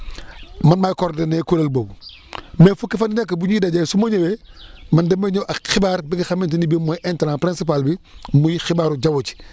man maay coordonné :frakuréel boobu mais fukki fan yu nekk bu ñuy daje su ma ñëwee man damay ñëw ak xibaar bi nga xamante ne bii mooy intrant principal bi muy xibaaru jaww ji